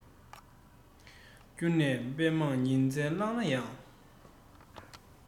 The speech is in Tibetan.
བསྐྱུར ནས དཔེ མང ཉིན མཚན བཀླགས ན ཡང